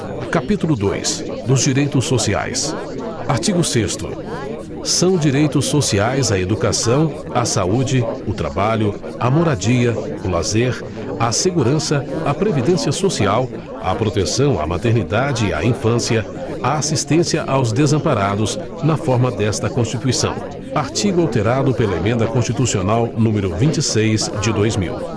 capitulo dois dos direitos sociais artigo sexto são direitos sociais a educação a saúde o trabalho a moradia o lazer a segurança a previdência social a proteção à maternidade e à infância a assistência aos desamparados na forma desta constituição artigo alterado pela emenda constitucional número vinte e seis de dois mil